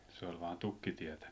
se oli vain tukkitietä